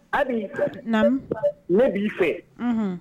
A bi na ne b'i fɛ